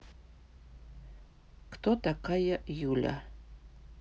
кто такая юля